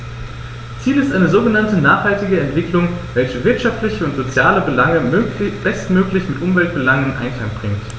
Ziel ist eine sogenannte nachhaltige Entwicklung, welche wirtschaftliche und soziale Belange bestmöglich mit Umweltbelangen in Einklang bringt.